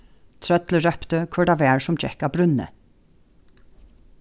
trøllið rópti hvør tað var sum gekk á brúnni